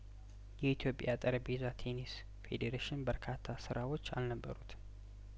የኢትዮጵያ ጠረጴዛ ቴኒስ ፌዴሬሽን በርካታ ስራዎች አልነበሩትም